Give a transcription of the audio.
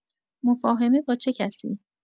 مفاهمه با چه کسی؟